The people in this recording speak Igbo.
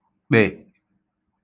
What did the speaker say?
kpè